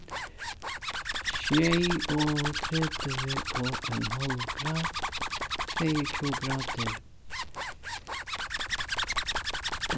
sjeyogtretivu og ein hálv grad tveyogtjúgu gradir